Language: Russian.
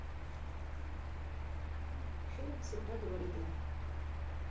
фильм всегда говори да